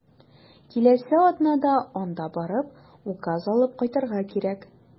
Киләсе атнада анда барып, указ алып кайтырга кирәк.